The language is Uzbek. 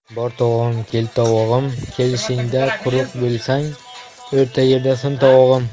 bor tovog'im kel tovog'im kelishingda quruq bo'lsang o'rta yerda sin tovog'im